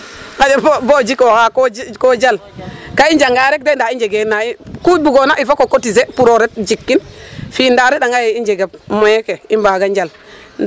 Xaƴa bo o jikooxa koo jalka i janga rek ndaa i njegee na i ku bugoona rek fook o cotiser pour a ret jikin ii ndaa a re'anga yee njega moyen ke i mbaaga njal.